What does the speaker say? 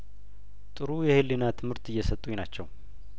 ጥሩ የህሊና ትምህርት እየሰጡኝ ናቸው